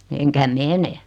enkä mene